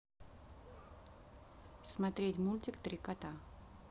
смотреть мультик три кота